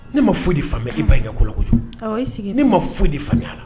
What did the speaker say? Ne ma foyi di fan e ba kɛ koloko kojugu ne ma foyi di fan a la